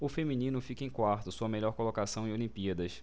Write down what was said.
o feminino fica em quarto sua melhor colocação em olimpíadas